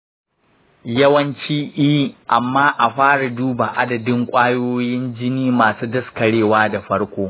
yawanci eh, amma a fara duba adadin ƙwayoyin jini masu daskarewa da farko.